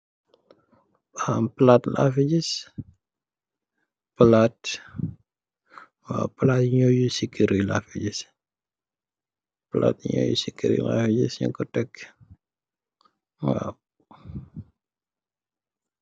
Palat la fi ngis, palat yi ñoy jafandiko ci kèr yi.